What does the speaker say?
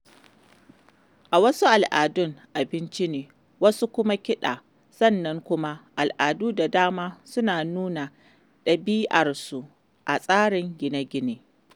A wasu al'adun, abinci ne, wasu kuwa kiɗa sannan kuma al'adu da dama suna nuna ɗabi'arsu a tsarin gine-ginensu.